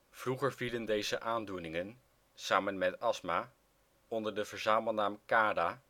Vroeger vielen deze aandoeningen samen met astma onder de verzamelnaam CARA